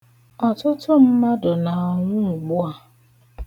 Ọtụtụ mmadụ na-anwụ ụgbụ a.